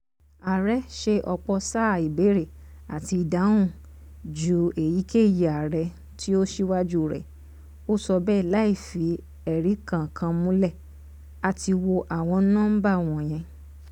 "Ààrẹ ṣe ọ̀pọ̀ sáà ìbéèrè àti ìdáhùn ju èyíkéyìí ààrẹ tí ó ṣiwájú rẹ̀,” ó sọ bẹ́ẹ̀ láìfi ẹ̀rí kankan múlẹ̀: “A ti wo àwọn nọ́ńbà wọ̀nyẹn."